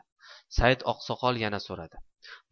saidoqsoqol yana so'radi